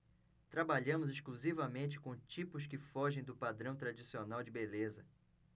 trabalhamos exclusivamente com tipos que fogem do padrão tradicional de beleza